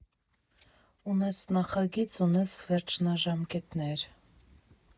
Ունես նախագիծ, ունես վերջնաժամկետներ։